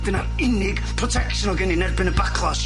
Dyna'r unig protection o' gen i yn erbyn y backlash.